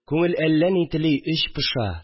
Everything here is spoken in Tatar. Күңел әллә ни тели, эч поша